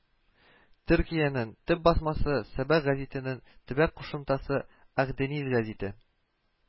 Төркиянең төп басмасы Сабах гәзитенең төбәк кушымтасы Акдениз гәзите